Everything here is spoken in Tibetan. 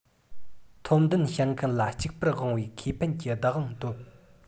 ཐོབ འདུན ཞུ མཁན ལ གཅིག པུར དབང བའི ཁེ ཕན གྱི བདག དབང ཐོབ